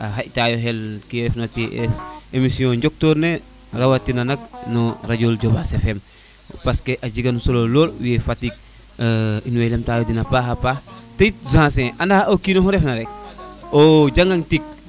a xaƴ tayo xel ke ref na te émission njoktoor ne rawatina nak no rajo le Jobas FM parce que a jegan solo lool we Fatick in way lem tayo den a paaxa paax te yit Zancier anda o kino xu ref na rek o jangan tig